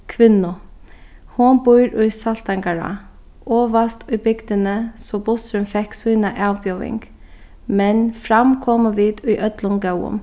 kvinnu hon býr í saltangará ovast í bygdini so bussurin fekk sína avbjóðing men fram komu vit í øllum góðum